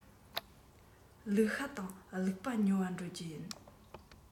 ལུག ཤ དང ལུག ལྤགས ཉོ བར འགྲོ རྒྱུ ཡིན